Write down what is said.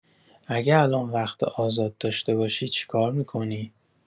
اگه الان وقت آزاد داشته باشی، چی کار می‌کنی؟